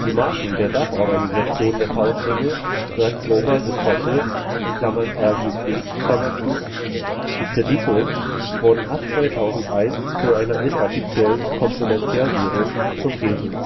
Marken der Dachorganisation der Tauschringe Red Global de Trueque (RGT), die Créditos, wurden ab 2001 zu einer inoffiziellen Komplementärwährung zum Peso